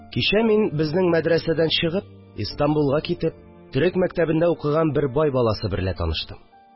Кичә мин, безнең мәдрәсәдән чыгып, Истанбулга китеп, төрек мәктәбендә укыган бер бай баласы берлә таныштым